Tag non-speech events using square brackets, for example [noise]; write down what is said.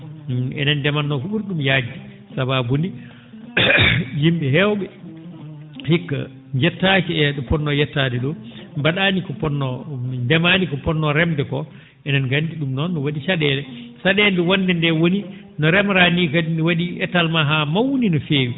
enen ndematnoo ko ?uri ?um yaajde sabaabude [clears throat] yim?e heew?e hikka njettaaki e to potnoo yettaade ?oo mba?aani ko potnoo ndemaani ko potnoo remde koo enen nganndi ?um noon wa?i ca?eele sa?eede wonde ndee woni no remraa nii kadi ne wa?i étalement haa mawni no feewi